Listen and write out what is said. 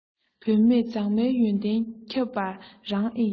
བུད མེད མཛངས མའི ཡོན ཏན ཁྱད པར རང ཨེ ཡིན